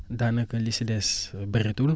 daanaka li si des bëreetul